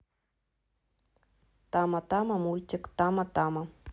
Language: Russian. тама тама мультик тама тама